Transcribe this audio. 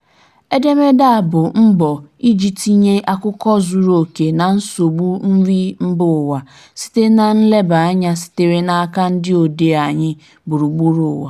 Edemede a bụ mbọ iji tinye akụkọ zuru oke na nsogbu nri mbaụwa site na nlebanya sitere n'aka ndị odee anyị gburugburu ụwa.